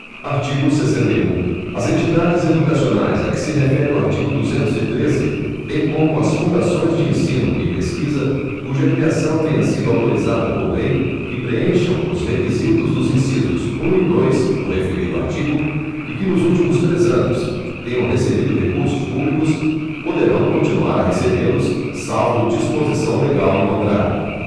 artigo sessenta e um as entidades educacionais a que se refere o artigo duzentos e treze bem como as fundações de ensino e pesquisa cuja criação tenha sido autorizada por lei que preencham os requisitos dos incisos um e dois do referido artigo e que nos últimos três anos tenham recebido recursos públicos poderão continuar a recebê los salvo disposição legal em contrário